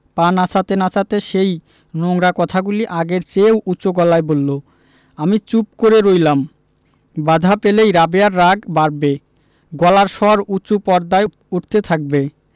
পা নাচাতে নাচাতে সেই নোংরা কথাগুলি আগের চেয়েও উচু গলায় বললো আমি চুপ করে রইলাম বাধা পেলেই রাবেয়ার রাগ বাড়বে গলার স্বর উচু পর্দায় উঠতে থাকবে